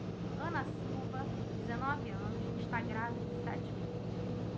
ana silva dezenove anos está grávida de sete meses